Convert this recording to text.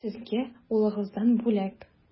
Сезгә улыгыздан бүләк.